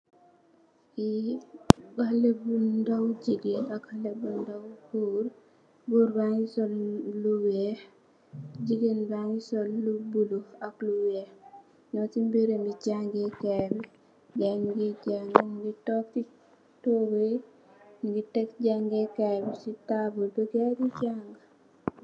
Fii xalé bu ndaw bu jigéen, ak xalé bu ndaw bu góor. Goor baa ngi sol lu weex, jigéen baa ngi sol lu bulo ak lu weex, ñung si bërabu jangee kaay, gaayi nungiy janga, mu ngi toog, mu ngi Tek jangë Kaay bi si taabul bi, gaayi di jaanga.